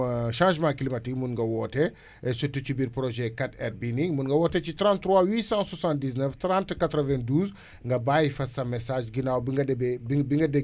surtout ci biir projet 4R bii nii mun nga woote ci 33 879 30 92 nga bàyyi fa sa message ginnaaw bi nga déggee bi bi nga déggee bip sonore bi be be pare